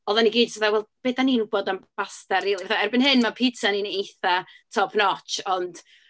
Oedden ni gyd jyst fatha, "wel, be dan ni'n wybod am basta rili"? Fatha erbyn hyn mae pitsa ni'n eitha' top notch, ond...